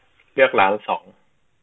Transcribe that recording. เลือกร้านสอง